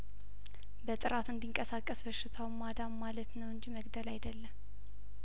በጥራት እንዲንቀሳቀስ በሽታውን ማዳን ማለት ነው እንጂ መግደል አይደለም